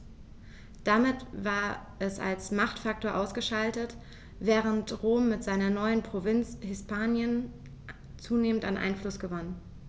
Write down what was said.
Damit war es als Machtfaktor ausgeschaltet, während Rom mit seiner neuen Provinz Hispanien zunehmend an Einfluss gewann.